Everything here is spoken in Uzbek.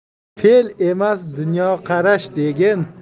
fel emas dunyoqarash degin